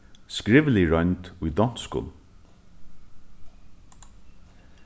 skrivlig roynd í donskum